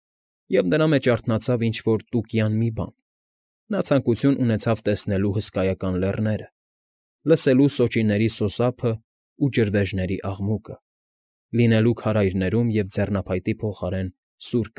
Եվ նրա մեջ արթնացավ ինչ֊որ տուկյան մի բան, նա ցանկություն ունեցավ տեսնելու հսկայական լեռները, լսելու սոճիների սոսափն ու ջրվեժների աղմուկը, լինելու քարայրներում և ձեռնափայտի փոխարեն սուր։